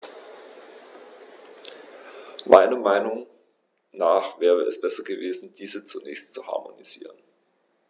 Meiner Meinung nach wäre es besser gewesen, diese zunächst zu harmonisieren.